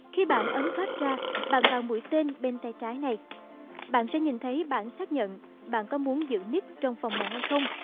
khi bạn ấn thoát ra bạn vào mũi tên bên tay trái này bạn sẽ nhìn thấy bảng xác nhận bạn có muốn giữ nick trong phòng này hay không